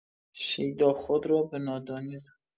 شیدا خود را به نادانی زد.